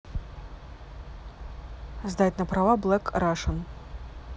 как сдать на права black russian